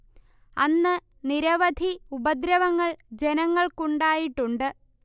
അന്ന് നിരവധി ഉപദ്രവങ്ങൾ ജനങ്ങൾക്കുണ്ടായിട്ടുണ്ട്